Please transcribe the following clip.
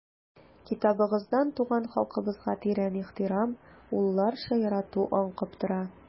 Китабыгыздан туган халкыбызга тирән ихтирам, улларча ярату аңкып тора.